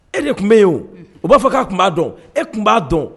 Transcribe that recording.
E de tun bɛ yen u b'a fɔ k'a tun b'a dɔn e tun b'a dɔn